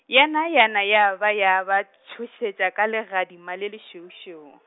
yana yana ya ba ya ba, tšhošetša ka legadima le lešweušweu.